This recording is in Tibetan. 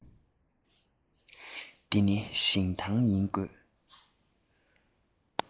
འདི ནི ཞིང ཐང ཡིན དགོས